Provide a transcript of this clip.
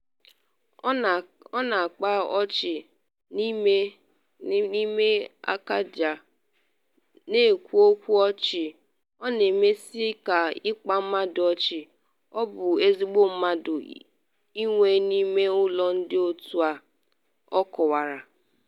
“Ọ na-akpa ọchị, na-eme akaja, na-ekwu okwu ọchị, ọ na-amasị ya ịkpa ndị mmadụ ọchị, ọ bụ ezigbo mmadụ inwe n’ime ụlọ ndị otu a,” ọ kọwara.